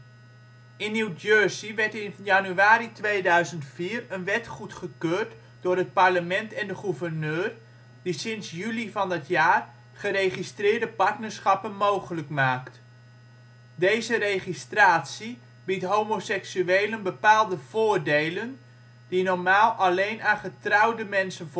In New Jersey werd in januari 2004 een wet goedgekeurd door het parlement en de gouverneur, die sinds juli van dat jaar geregistreerde partnerschappen mogelijk maakt. Deze registratie biedt homoseksuelen bepaalde voordelen die normaal alleen aan getrouwde mensen